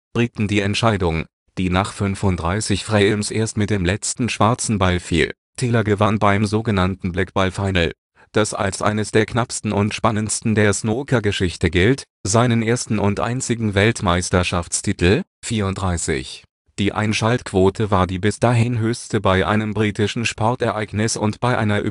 Briten die Entscheidung, die nach 35 Frames erst mit der letzten schwarzen Kugel fiel. Taylor gewann beim sogenannten Black ball final, das als eines der knappsten und spannendsten der Snookergeschichte gilt, seinen ersten und einzigen Weltmeisterschaftstitel. Die Einschaltquote war die bis dahin höchste bei einem britischen Sportereignis und bei einer